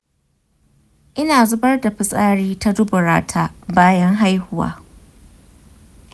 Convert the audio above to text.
ina zubar da fitsari ta duburata bayan haihuwa.